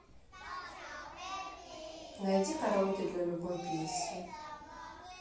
найди караоке для любой песни